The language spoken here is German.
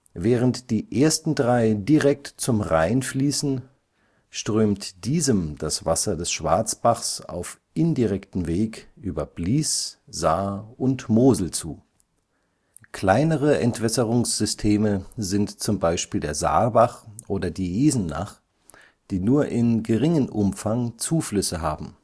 Während die ersten drei direkt zum Rhein fließen, strömt diesem das Wasser des Schwarzbachs auf indirektem Weg über Blies, Saar und Mosel zu. Kleinere Entwässerungssysteme sind z. B. der Saarbach oder die Isenach, die nur in geringen Umfang Zuflüsse haben